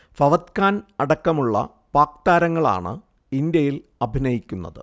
ഫവാദ്ഖാൻ അടക്കമുള്ള പാക് താരങ്ങളാണ് ഇന്ത്യയിൽ അഭിനയിക്കുന്നത്